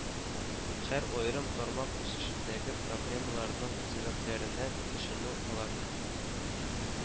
Һәр аерым тармак үсешендәге проблемаларның сәбәпләренә төшенү, аларны